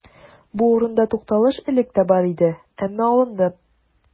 Бу урында тукталыш элек тә бар иде, әмма алынды.